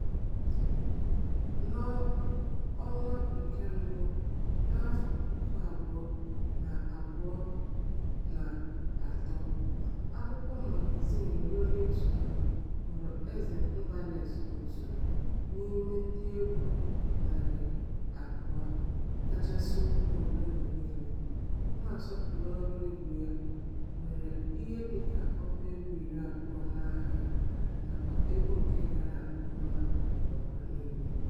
Na Jenụwarị 2023, akwụkwọ magazin Rolling Stone kpọrọ eze Mbalax otu n'ime ndịegwu 200 kachasị ukwuu n'oge niile, na-asọpụrụ ọrụ egwu ya, nwere ihe dịka ọbaegwu iri abụọ n'aha ya nakwa egwu nke gara nke ọma n'ụwa niile.